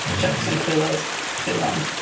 Jackson Chwilas... chwilan.